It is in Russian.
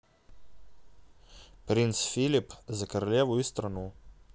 prince philip за королеву и страну